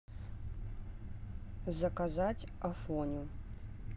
заказать афоню